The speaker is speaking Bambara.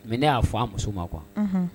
Mɛ ne y'a fɔ a muso ma kuwa